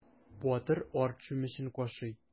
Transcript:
Батыр арт чүмечен кашый.